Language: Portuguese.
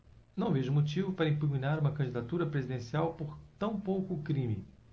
não vejo motivo para impugnar uma candidatura presidencial por tão pouco crime